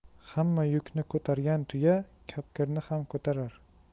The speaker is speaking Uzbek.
hamma yukni ko'targan tuya kapkirni ham ko'tarar